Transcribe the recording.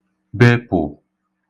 bepụ̀